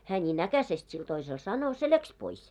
hän niin äkäisesti sille toiselle sanoi se lähti pois